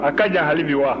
a ka jan hali bi wa